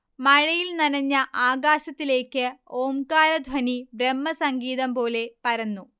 മഴയിൽ നനഞ്ഞ ആകാശത്തിലേക്ക് ഓംകാരധ്വനി ബ്രഹ്മസംഗീതംപോലെ പരന്നു